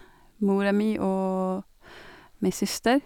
Mora mi og mi søster.